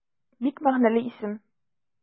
Бик мәгънәле исем.